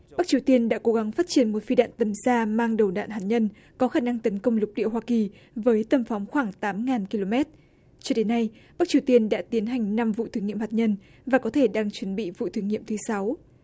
bắc triều tiên đã cố gắng phát triển một phi đạn tầm xa mang đầu đạn hạt nhân có khả năng tấn công lục địa hoa kỳ với tầm phóng khoảng tám nghìn ki lô mét cho đến nay bắc triều tiên đã tiến hành năm vụ thử nghiệm hạt nhân và có thể đang chuẩn bị vụ thử nghiệm thứ sáu